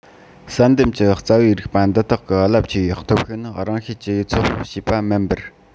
བསལ འདེམས ཀྱི རྩ བའི རིགས པ འདི དག གི རླབས ཆེ བའི སྟོབས ཤུགས ནི རང ཤེད ཀྱིས ཚོད དཔག བྱས པ མིན པར